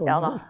ja da.